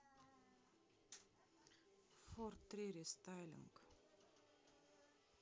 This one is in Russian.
форд три рестайлинг